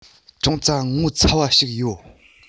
ཅུང ཙ ངོ ཚ བ ཞིག ཡོད